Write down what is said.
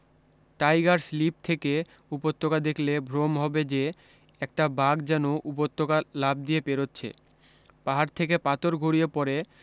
tigers Leap থেকে উপত্যকা দেখলে ভ্রম হবে যে একটা বাঘ যেন উপত্যকা লাফ দিয়ে পেরচ্ছে পাহাড় থেকে পাথর গড়িয়ে পড়ে